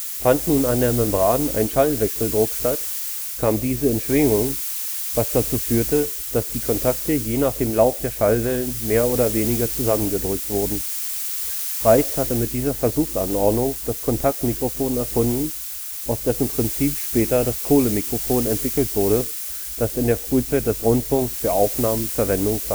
Fand nun an der Membran ein Schallwechseldruck statt, kam diese in Schwingung, was dazu führte, dass die Kontakte je nach dem Lauf der Schallwellen mehr oder weniger zusammengedrückt wurden. Reis hatte mit dieser Versuchsanordnung das Kontaktmikrophon erfunden, aus dessen Prinzip später das Kohlemikrophon entwickelt wurde, das in der Frühzeit des Rundfunks für Aufnahmen Verwendung